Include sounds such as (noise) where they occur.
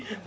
(hesitation) (hesitation)